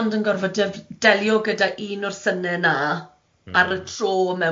ond yn gorfod def- delio gyda un o'r syne 'na ar y tro mewn bywyd